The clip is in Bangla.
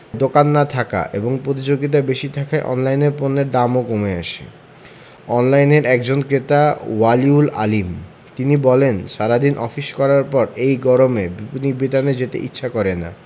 দোকান না থাকা এবং প্রতিযোগিতা বেশি থাকায় অনলাইনে পণ্যের দামও কমে আসে অনলাইনের একজন ক্রেতা ওয়ালি উল আলীম তিনি বলেন সারা দিন অফিস করার পর এই গরমে বিপণিবিতানে যেতে ইচ্ছে করে না